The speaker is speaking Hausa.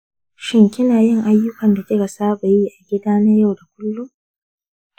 shin kinayin aiyukan da kika sabayi a gida na yau da kullum?